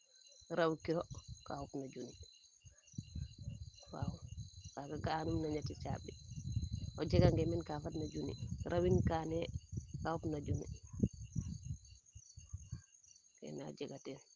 raw kiro kaa xupna junni waaw kaaga ga a num no ñetti caabi o jeg nge meen kaa fadna junni rawin kaane kaa xupna junni keene a jega teen